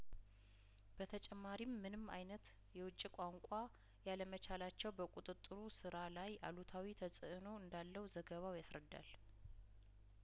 በተጨማሪም ምንም አይነት የውጪ ቋንቋ ያለመቻላቸው በቁጥጥሩ ስራ ላይ አሉታዊ ተጽእኖ እንዳለው ዘገባው ያስረዳል